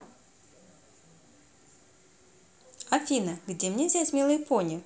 афина где мне взять милые пони